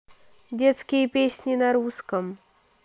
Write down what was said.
детские песни на русском